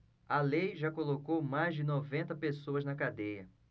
a lei já colocou mais de noventa pessoas na cadeia